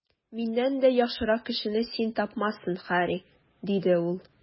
Миннән дә яхшырак кешене син тапмассың, Һарри, - диде ул.